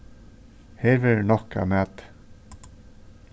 her verður nokk av mati